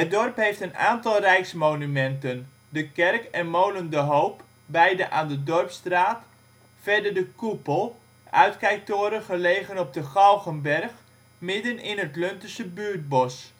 dorp heeft een aantal rijksmonumenten: de kerk en molen De Hoop, beiden aan de Dorpsstraat, verder de Koepel, uitkijktoren gelegen op de Galgenberg midden in Het Luntersche Buurtbosch